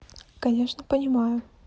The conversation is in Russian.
конечно понимаю